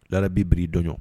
La bɛ bi i dɔnɔn